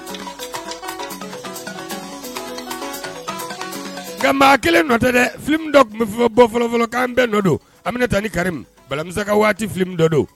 Nka kelen nɔ tɛ dɛ dɔ tun bɛ fɔ bɔ fɔlɔfɔlɔkan bɛɛ nɔ don an bɛna taa ni kari balimamisa waati dɔ don